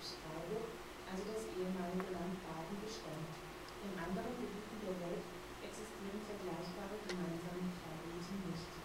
Freiburg, also das ehemalige Land Baden, beschränkt. In anderen Gebieten der Welt existieren vergleichbare gemeinsame Trauriten nicht